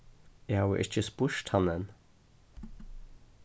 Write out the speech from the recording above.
eg havi ikki spurt hann enn